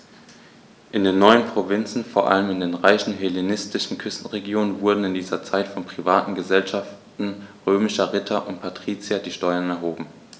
In den neuen Provinzen, vor allem in den reichen hellenistischen Küstenregionen, wurden in dieser Zeit von privaten „Gesellschaften“ römischer Ritter und Patrizier die Steuern erhoben.